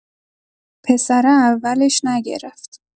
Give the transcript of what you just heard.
پسره اولش نگرفت.